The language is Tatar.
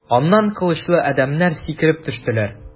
Аннан кылычлы адәмнәр сикереп төштеләр.